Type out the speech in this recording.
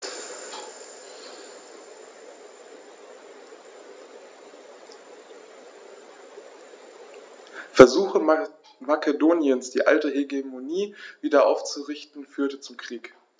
Versuche Makedoniens, die alte Hegemonie wieder aufzurichten, führten zum Krieg.